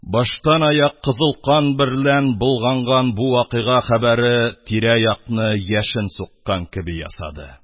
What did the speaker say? Баштанаяк кызыл кан берлән болганган бу вакыйга хәбәре тирә-якны яшен суккан кеби ясады.